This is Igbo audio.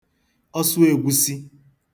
ọsụēgwūsī